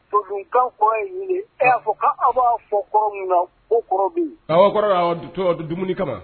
Musokan kɔrɔ in ɲini e y'a fɔ k' aw b'a fɔ kɔrɔ min na o kɔrɔbi a kɔrɔ y'a to don dumuni kama